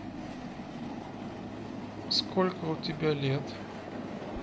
сколько у тебя лет